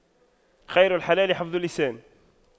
خير الخلال حفظ اللسان